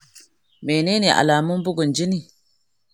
menene alamun bugun jini?